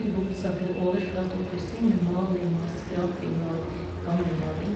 I hovedsak er det overflateoppussing med maling og skraping av gammel maling.